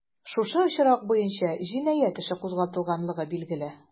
Шушы очрак буенча җинаять эше кузгатылганлыгы билгеле.